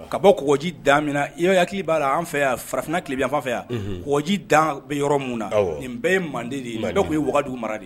Ka bɔ kkɔji dan min i y ya hakilili b'a la an fɛ yan farafinna tile bɛ an fɛ yanji dan bɛ yɔrɔ min na nin bɛɛ ye manden de dɔw tun ye wagadu mara de